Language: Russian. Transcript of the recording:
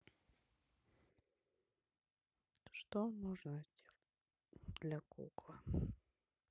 что можно сделать для куклы